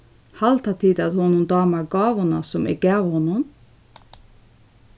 halda tit at honum dámar gávuna sum eg gav honum